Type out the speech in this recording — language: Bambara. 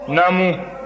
naamu